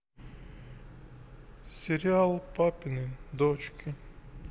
сериал папины дочки